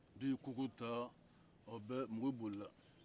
bɛɛ ye kogo ta ɔ bɛɛ mɔgɔw bolila